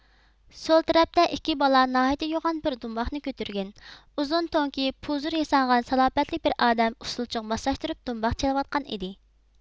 سول تەرەپتە ئىككى بالا ناھايىتى يوغان بىر دۇمباقنى كۆتۈرگەن ئۇزۇن تون كىيىپ پۇزۇر ياسانغان سالاپەتلىك بىر ئادەم ئۇسسۇلچىغا ماسلاشتۇرۇپ دۇمباق چېلىۋاتقان ئىدى